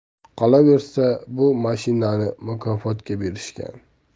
qolaversa bu mashinani mukofotga berishgan